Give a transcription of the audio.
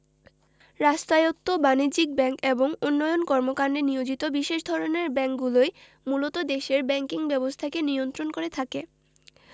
রাষ্ট্রায়ত্ত বাণিজ্যিক ব্যাংক এবং উন্নয়ন কর্মকান্ডে নিয়োজিত বিশেষ ধরনের ব্যাংকগুলোই মূলত দেশের ব্যাংকিং ব্যবস্থাকে নিয়ন্ত্রণ করে থাকে